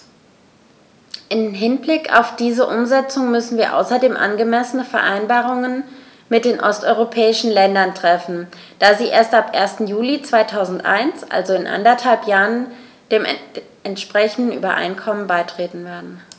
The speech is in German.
Im Hinblick auf diese Umsetzung müssen wir außerdem angemessene Vereinbarungen mit den osteuropäischen Ländern treffen, da sie erst ab 1. Juli 2001, also in anderthalb Jahren, den entsprechenden Übereinkommen beitreten werden.